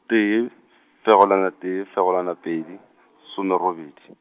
tee, fegelwana tee, fegelwana pedi, some robedi.